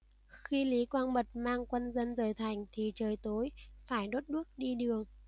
khi lý quang bật mang quân dân dời thành thì trời tối phải đốt đuốc đi đường